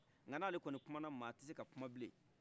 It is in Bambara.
nka n'ale kɔni kumana mɔgɔsi tese kumabile